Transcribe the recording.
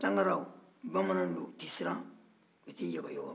tangaraw bamananw don u tɛ siran u tɛ yɔgɔyɔgɔ